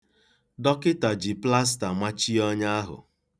Dọkịta ji plasta machie ọnya ahụ.